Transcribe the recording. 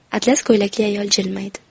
atlas ko'ylakli ayol jilmaydi